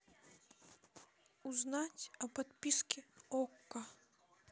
узнать о подписке окко